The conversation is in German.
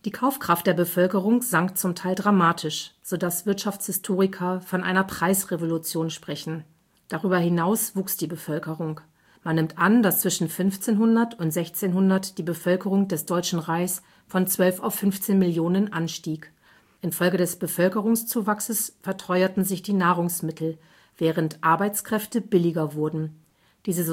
Kaufkraft der Bevölkerung sank zum Teil dramatisch, so dass Wirtschaftshistoriker von einer „ Preisrevolution “sprechen. Darüber hinaus wuchs die Bevölkerung. Man nimmt an, dass zwischen 1500 und 1600 die Bevölkerung des Deutschen Reichs von 12 auf 15 Millionen anstieg. Infolge des Bevölkerungszuwachses verteuerten sich die Nahrungsmittel, während Arbeitskräfte billiger wurden. Diese